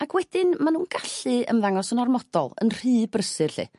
ac wedyn ma' nw'n gallu ymddangos yn ormodol yn rhy brysur 'lly.